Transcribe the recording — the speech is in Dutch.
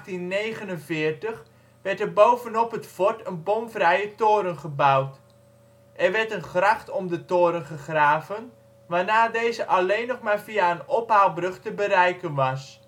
In 1847-1849 werd er bovenop het fort een bomvrije toren gebouwd. Er werd een gracht om de toren gegraven, waarna deze alleen nog maar via een ophaalbrug te bereiken was